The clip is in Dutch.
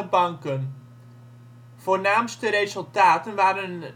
banken. Voornaamste resultaten waren